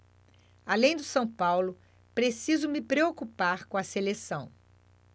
além do são paulo preciso me preocupar com a seleção